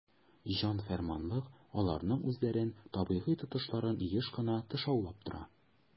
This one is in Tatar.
"җан-фәрманлык" аларның үзләрен табигый тотышларын еш кына тышаулап тора.